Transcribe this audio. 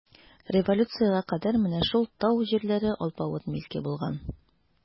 Революциягә кадәр менә шул тау җирләре алпавыт милке булган.